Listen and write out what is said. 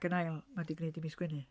Ac yn ail mae 'di gwneud i mi sgwennu.